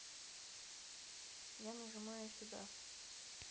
я нажимаю сюда